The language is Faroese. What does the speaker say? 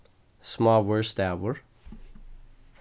smáur stavur